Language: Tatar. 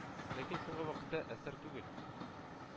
Ләкин соңгы вакытта әсәр түгел,